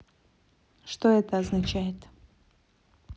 что это означает